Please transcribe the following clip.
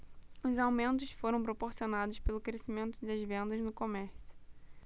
os aumentos foram proporcionados pelo crescimento das vendas no comércio